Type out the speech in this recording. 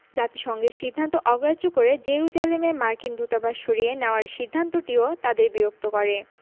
জাতিসংঘের সিদ্ধান্ত অগ্রাহ্য করে জেরুজালেমে মার্কিন দূতাবাস সরিয়ে নেওয়ার সিদ্ধান্তটিও তাদের বিরক্ত করে